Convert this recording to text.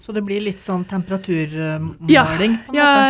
så det blir litt sånn temperaturmåling på en måte?